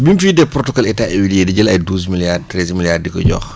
bi mu fi indee protoc état huiliers di jël ay douze milliards treize milliards ki ko jox